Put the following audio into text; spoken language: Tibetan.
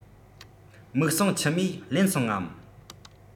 མིག ཟུང མཆི མས བརླན སོང ངམ